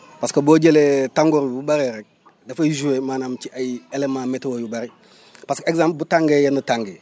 parce que boo jëlee tàngoor bi bu bëree rek dafay joué maanaam ci ay éléments météo yu bëri parce que exemple bu tàngee yenn tàng yi